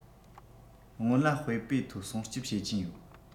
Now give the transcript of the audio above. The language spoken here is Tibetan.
སྔོན ལ དཔེ པོས ཐོ སྲུང སྐྱོབ བྱེད ཀྱིན ཡོད